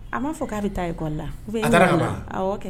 A m'a fɔ k'a be taa école la ou bien i ɲinɛna a taara kaban a awɔ kɛ